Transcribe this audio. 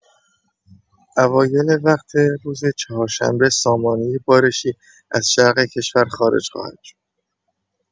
اوایل وقت روز چهارشنبه سامانه بارشی از شرق کشور خارج خواهد شد.